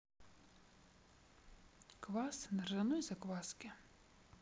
квас на ржаной закваске